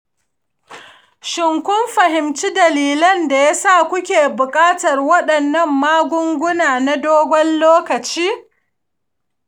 shin, kun fahimci dalilin da ya sa kuke buƙatar waɗannan magunguna na dogon lokaci?